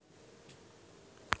внутри лапенко первая серия